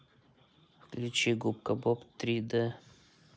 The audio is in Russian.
включи губка боб три д